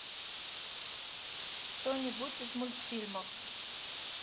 что нибудь из мультфильмов